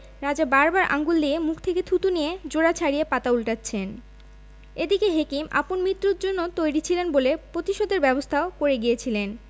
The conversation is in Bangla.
রাজা বার বার আঙুল দিয়ে মুখ থেকে থুথু নিয়ে জোড়া ছাড়িয়ে পাতা উল্টোচ্ছেন এদিকে হেকিম আপন মৃত্যুর জন্য তৈরি ছিলেন বলে প্রতিশোধের ব্যবস্থাও করে গিয়েছিলেন